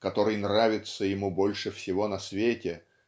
который нравится ему больше всего на свете